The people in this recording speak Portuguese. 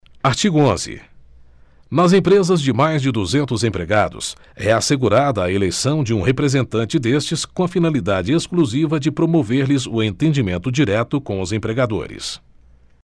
artigo onze nas empresas de mais de duzentos empregados é assegurada a eleição de um representante destes com a finalidade exclusiva de promover lhes o entendimento direto com os empregadores